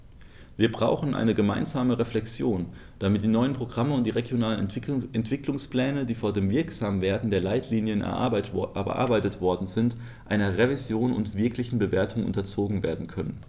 Wir brauchen eine gemeinsame Reflexion, damit die neuen Programme und die regionalen Entwicklungspläne, die vor dem Wirksamwerden der Leitlinien erarbeitet worden sind, einer Revision und wirklichen Bewertung unterzogen werden können.